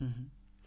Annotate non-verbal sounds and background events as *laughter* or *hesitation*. *hesitation* *hesitation*